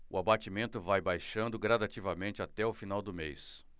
o abatimento vai baixando gradativamente até o final do mês